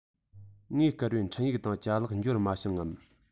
ངས བསྐུར བའི འཕྲིན ཡིག དང ཅ ལག འབྱོར མ བྱུང ངམ